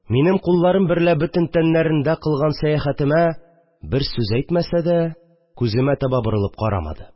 Минем кулларым берлә бөтен тәннәрендә кылган сәяхәтемә бер сүз әйтмәсә дә, күземә таба борылып карамады